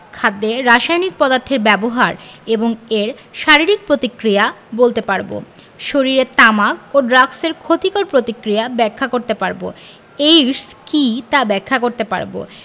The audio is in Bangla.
খাদ্যে রাসায়নিক পদার্থের ব্যবহার এবং এর শারীরিক প্রতিক্রিয়া বলতে পারব শরীরে তামাক ও ড্রাগসের ক্ষতিকর প্রতিক্রিয়া ব্যাখ্যা করতে পারব এইডস কী ব্যাখ্যা করতে পারব